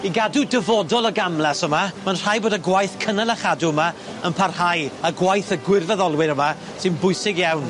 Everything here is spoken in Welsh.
I gadw dyfodol y gamlas yma, ma'n rhaid bod y gwaith cynnal a chadw yma yn parhau, a gwaith y gwirfyddolwyr yma, sy'n bwysig iawn.